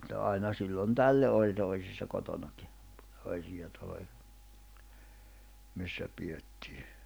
mutta aina silloin tällöin oli toisissa kotonakin toisia taloja missä pidettiin